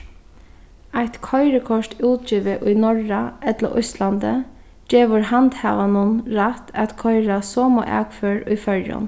eitt koyrikort útgivið í norra ella íslandi gevur handhavanum rætt at koyra somu akfør í føroyum